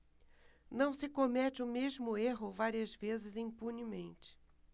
não se comete o mesmo erro várias vezes impunemente